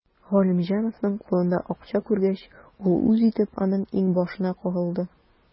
Галимҗановның кулында акча күргәч, ул үз итеп аның иңбашына кагылды.